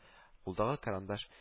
Кулдагы карандаш